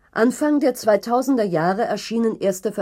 Anfang der 2000er-Jahre erschienen erste